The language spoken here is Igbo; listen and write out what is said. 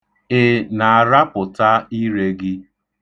Ị na-arapụta ire gị?